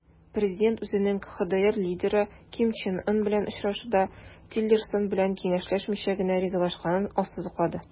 Президент үзенең КХДР лидеры Ким Чен Ын белән очрашуга Тиллерсон белән киңәшләшмичә генә ризалашканын ассызыклады.